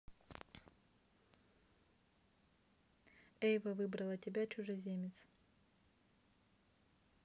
эйва выбрала тебя чужеземец